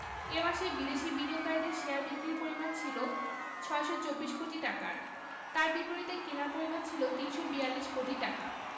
এ মাসে বিদেশি বিনিয়োগকারীদের শেয়ার বিক্রির পরিমাণ ছিল ৬২৪ কোটি টাকার তার বিপরীতে কেনার পরিমাণ ছিল ৩৪২ কোটি টাকা